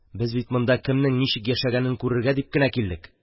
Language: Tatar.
Без бит монда кемнең ничек яшәгәнен күрергә дип кенә килдек.